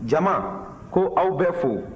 jama ko aw bɛ fo